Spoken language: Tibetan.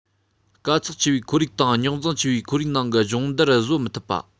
དཀའ ཚེགས ཆེ བའི ཁོར ཡུག དང རྙོག འཛིང ཆེ བའི ཁོར ཡུག ནང གི སྦྱོང བརྡར བཟོད མི ཐུབ པ